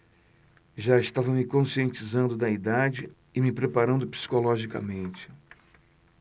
já estava me conscientizando da idade e me preparando psicologicamente